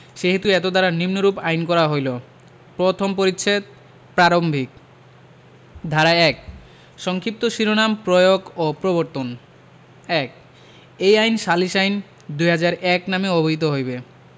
সেইহেতু এতদ্বারা নিম্নরূপ আইন করা হইল প্রথম পরিচ্ছেদ প্রারম্ভিক ধারা ১ সংক্ষিপ্ত শিরোনাম প্রয়োগ ও প্রবর্তন ১ এই আইন সালিস আইন ২০০১ নামে অভিহিত হইবে